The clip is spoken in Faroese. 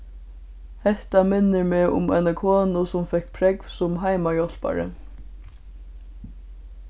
hetta minnir meg um eina konu sum fekk prógv sum heimahjálpari